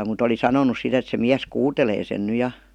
mutta oli sanonut sitten että se mies kuutelee sen nyt ja